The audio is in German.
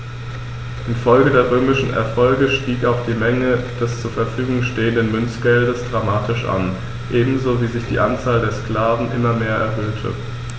Infolge der römischen Erfolge stieg auch die Menge des zur Verfügung stehenden Münzgeldes dramatisch an, ebenso wie sich die Anzahl der Sklaven immer mehr erhöhte.